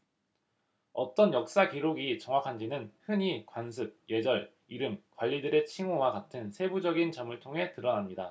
어떤 역사 기록이 정확한지는 흔히 관습 예절 이름 관리들의 칭호와 같은 세부적인 점을 통해 드러납니다